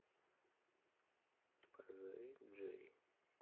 позови джей